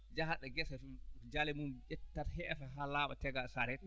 jahatɗo ngese jaale mum ƴettat heefa haa laaɓa tega charette